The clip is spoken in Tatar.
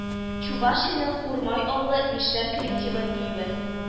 Чувашиянең Урмай авылы Мишәр коллективы биюе